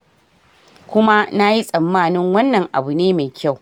Kuma nayi tsammanin wannan abu ne mai kyau. "